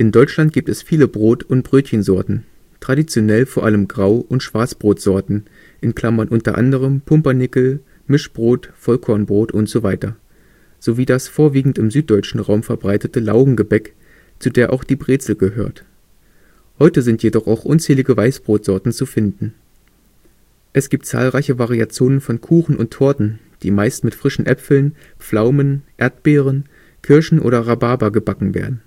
Deutschland gibt es viele Brot - und Brötchensorten, traditionell vor allem Grau - und Schwarzbrotsorten (u. a. Pumpernickel, Mischbrot, Vollkornbrot usw.), sowie das vorwiegend im süddeutschen Raum verbreitete Laugengebäck, zu der auch die Brezel gehört; heute sind jedoch auch unzählige Weißbrotsorten zu finden. Es gibt zahlreiche Variationen von Kuchen und Torten, die meist mit frischen Äpfeln, Pflaumen, Erdbeeren, Kirschen oder Rhabarber gebacken werden